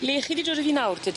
Le chi 'di dod â fi nawr te...